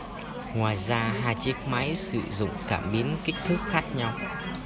ngoài ra hai chiếc máy sử dụng cảm biến kích thước khác nhau